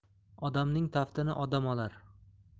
odamning taftini odam olar